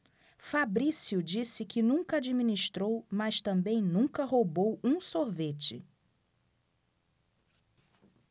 fabrício disse que nunca administrou mas também nunca roubou um sorvete